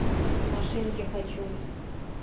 машинки хочу